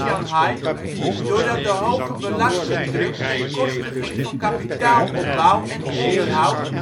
Shanghai doordat de hoge belastingdruk ten koste ging van kapitaalopbouw en onderhoud